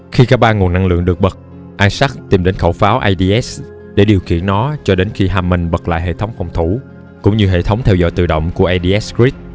khi cả ba nguồn năng lượng được bật isaac tìm đến khẩu pháo ads để điều khiển nó cho đến khi hammond bật lại hệ thống phòng thủ cũng như hệ thống theo dõi tự động của ads grid